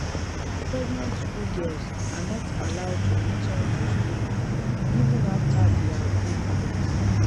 Pregnant schoolgirls are not allowed to return to school even after they have given birth.